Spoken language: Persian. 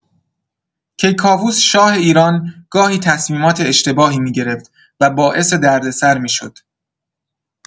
کیکاووس، شاه ایران، گاهی تصمیمات اشتباهی می‌گرفت و باعث دردسر می‌شد.